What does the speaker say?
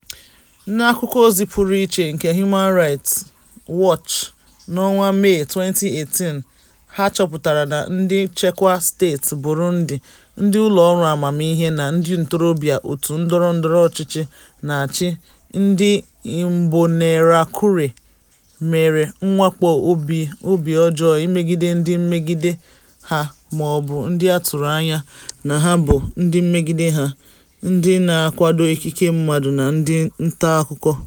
N'akụkọozi pụrụ iche nke Human Rights Watch n'ọnwa Mee 2018 ha chọpụtara na ndị nchekwa steeti Burundi, ndị ụlọọrụ amamiihe, na ndị ntorobịa òtù ndọrọndọrọ ọchịchị na-achị, ndị Imbonerakure, mere mwakpo obi ọjọọ imegide ndị mmegide ha mọọbụ ndị a tụrụ anya na ha bụ ndị mmegide ha, ndị na-akwado ikike mmadụ, na ndị ntaakụkọ.